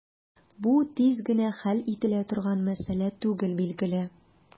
Бу тиз генә хәл ителә торган мәсьәлә түгел, билгеле.